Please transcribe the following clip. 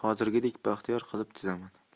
hozirgidek baxtiyor qilib chizaman